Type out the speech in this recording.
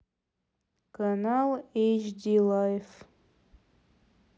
канал эйч ди лайф